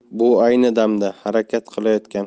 bu ayni damda harakat qilayotgan